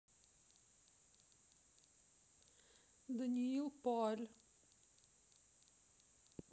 даниил паль